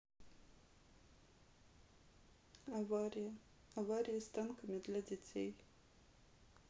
аварии аварии с танками для детей